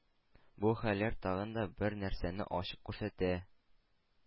Бу хәлләр тагын да бер нәрсәне ачык күрсәтә: